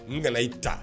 N kana i ta